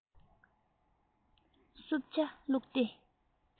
བསྲུབས ཇ བླུགས ཏེ